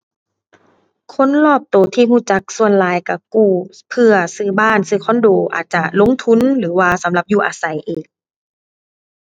คนรอบตัวที่ตัวจักส่วนหลายตัวกู้เพื่อซื้อบ้านซื้อคอนโด อาจจะลงทุนหรือว่าสำหรับอยู่อาศัยเอง